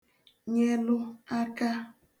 nyelụ aka